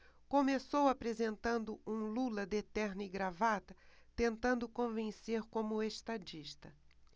começou apresentando um lula de terno e gravata tentando convencer como estadista